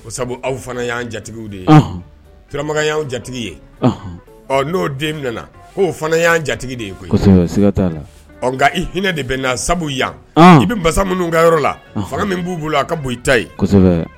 Ko sabu aw fana yan jatigiw de ye . Turamakan yann jatigi ye . Ɔ no den nana ko fana yan jatigi de ye koyi . Ɔn nga i hinɛ de bɛ n na, sabu yan i bɛ masa munun ka yɔrɔ la fanga min bu bolo a ka bon i ta ye.